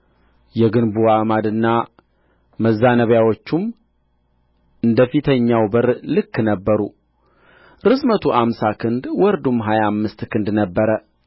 የግንቡ አዕማድና መዛነቢያዎቹም እንደ ፊተኛው በር ልክ ነበሩ ርዝመቱ አምሳ ክንድ ወርዱም ሀያ አምስት ክንድ ነበረ